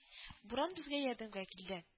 Буран безгә ярдәмгә килде